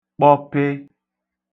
kpọpe